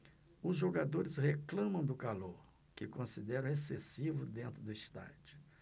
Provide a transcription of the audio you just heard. os jogadores reclamam do calor que consideram excessivo dentro do estádio